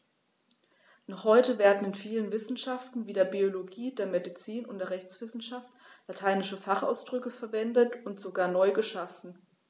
Noch heute werden in vielen Wissenschaften wie der Biologie, der Medizin und der Rechtswissenschaft lateinische Fachausdrücke verwendet und sogar neu geschaffen.